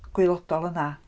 Gwaelodol yna.